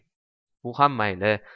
bu ham mayli